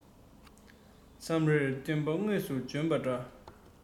མཚམས རེར སྟོན པ དངོས སུ བྱོན པ འདྲ